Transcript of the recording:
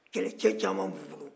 kɛlɛcɛ caman b'u bolo